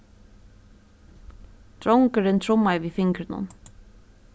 drongurin trummaði við fingrunum